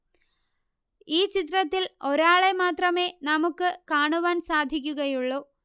ഈ ചിത്രത്തിൽ ഒരാളെ മാത്രമേ നമുക്ക് കാണുവാൻ സാധിക്കുകയുള്ളൂ